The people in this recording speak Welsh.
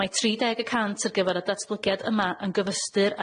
Mae tri deg y cant ar gyfar y datblygiad yma yn gyfystyr